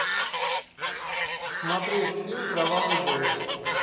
смотреть фильм кровавый бой